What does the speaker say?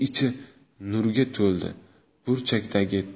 ichi nurga to'ldi